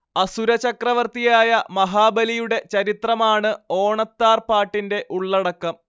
അസുര ചക്രവർത്തിയായ മഹാബലിയുടെ ചരിത്രമാണ്‌ ഓണത്താർ പാട്ടിന്റെ ഉള്ളടക്കം